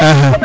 axa